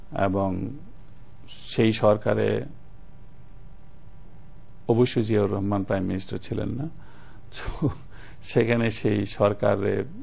এবং সেই সরকারে অবশ্যই জিয়াউর রহমান প্রাইম মিনিস্টার ছিলেন না সেখানে সেই সরকারের